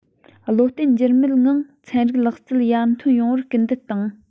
བློ བརྟན འགྱུར མེད ངང ཚན རིག ལག རྩལ ཡར ཐོན ཡོང བར སྐུལ འདེད བཏང